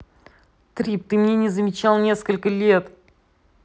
трип ты мне не замечал несколько лет